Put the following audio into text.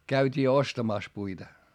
käytiin ostamassa puita